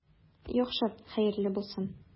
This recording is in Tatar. Яхшы, хәерле булсын.